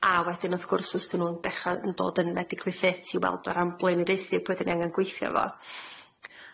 a wedyn wrth gwrs osdyn nw'n dechra yn dod yn medically fit i weld o ran blaenoreuthu pwy dyn ni angan gweithio fo.